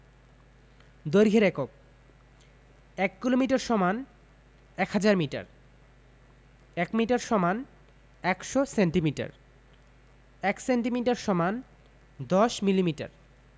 দৈর্ঘ্যের এককঃ ১ kilometre = ১০০০ metre ১ metre = ১০০ centimetre ১ centimetre = ১০ millimetre